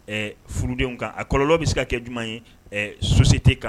Ɛɛ furudenw kan a kɔlɔlɔ bɛ se ka kɛ jumɛn ye so se tɛ kan